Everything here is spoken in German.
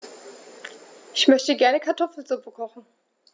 Ich möchte gerne Kartoffelsuppe kochen.